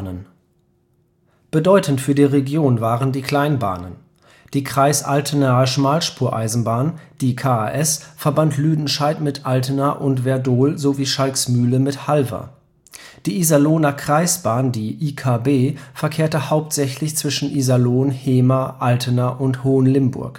Bedeutend für die Region waren die Kleinbahnen. Die Kreis Altenaer Schmalspur-Eisenbahn (KAS) verband Lüdenscheid mit Altena und Werdohl sowie Schalksmühle mit Halver. Die Iserlohner Kreisbahn (IKB) verkehrte hauptsächlich zwischen Iserlohn, Hemer, Altena und Hohenlimburg